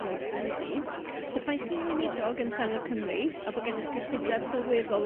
i orffen ydy petai chi'n weinidog yn Senedd Cymru a bo' gennych gylludeb sylweddol